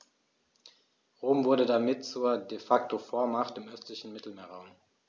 Rom wurde damit zur ‚De-Facto-Vormacht‘ im östlichen Mittelmeerraum.